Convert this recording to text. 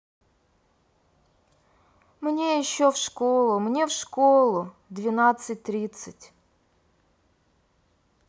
мне еще в школу мне в школу двенадцать тридцать